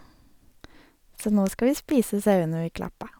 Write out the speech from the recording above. Så nå skal vi spise sauene vi klappa.